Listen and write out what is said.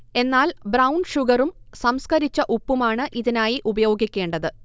എന്നാൽ ബ്രൌൺ ഷുഗറും സംസ്കരിച്ച ഉപ്പുമാണ് ഇതിനായി ഉപയോഗിക്കേണ്ടത്